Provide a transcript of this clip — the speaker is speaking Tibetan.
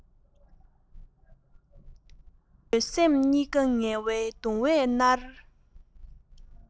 ལུས སེམས གཉིས ཀ ངལ བའི གདུང བས མནར